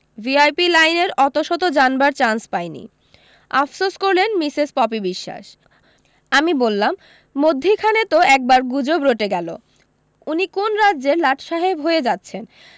VIP লাইনের অতশত জানবার চান্স পাইনি আফসোস করলেন মিসেস পপি বিশোয়াস আমি বললাম মধ্যিখানে তো একবার গুজব রটে গেলো উনি কোন রাজ্যের লাটসাহেব হয়ে যাচ্ছেন